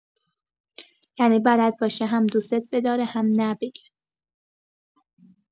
یعنی بلد باشه هم دوست بداره، هم نه بگه.